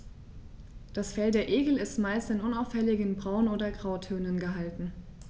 Das Fell der Igel ist meist in unauffälligen Braun- oder Grautönen gehalten.